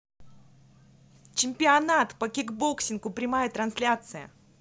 чемпионат по кикбоксингу прямая трансляция